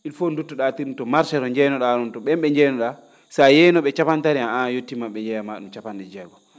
il faut dutto?aa tin to marché to njeeyno?aa ?um to ?een ?e njeeyno?aa so a yeeyno?e capan tari han aan a yottiima han ?e njeeya maa ?um capan?e jeegom